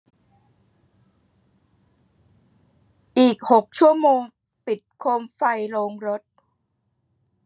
อีกหกชั่วโมงปิดโคมไฟโรงรถ